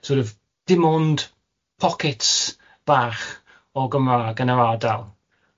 sor' of, dim ond pockets bach o Gymraeg yn yr ardal.